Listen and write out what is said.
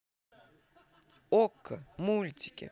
окко мультики